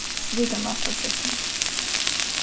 strika næsta setning